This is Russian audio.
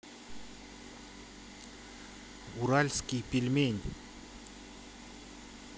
уральский пельмень